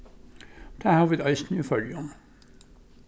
tað hava vit eisini í føroyum